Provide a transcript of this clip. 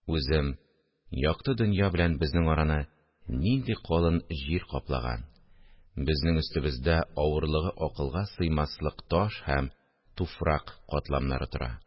Үзем «Якты дөнья белән безнең араны нинди калын җир каплаган, безнең өстебездә авырлыгы акылга сыймаслык таш һәм туфрак катламнары тора